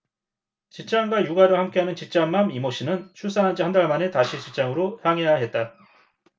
직장과 육아를 함께하는 직장맘 이모씨는 출산한지 한 달 만에 다시 직장으로 향해야 했다